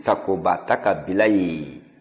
sagoba a ta k'a bila yen